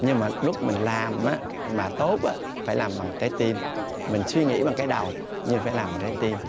nhưng mà lúc mình làm á mà tốt á phải làm bằng trái tim mình suy nghĩ bằng cái đầu nhưng phải làm bằng trái tim